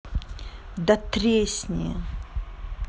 да тресни